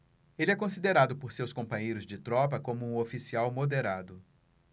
ele é considerado por seus companheiros de tropa como um oficial moderado